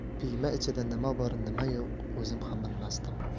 piyma ichida nima bor nima yo'q o'zim ham bilmasdim